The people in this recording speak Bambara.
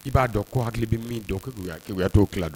I b'a dɔn ko hakili bɛ min dɔn keya t'o ki don